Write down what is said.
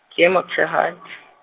ke ye motshehadi.